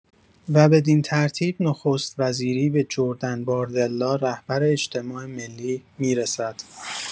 و بدین‌ترتیب نخست‌وزیری به جردن باردلا، رهبر اجتماع ملی می‌رسد.